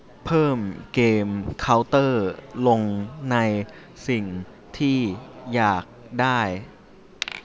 เพิ่มเกมเค้าเตอร์ลงในสิ่งที่อยากได้